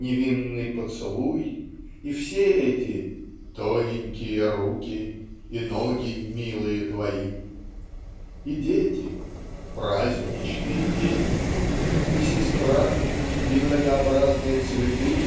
невинный поцелуй и все эти "тоненькие руки и ноги милые твои". И дети "праздничные дети" и сестра и многообразные цветы